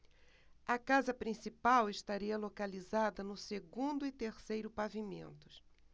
a casa principal estaria localizada no segundo e terceiro pavimentos